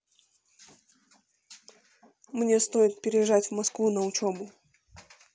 мне стоит переезжать в москву на учебу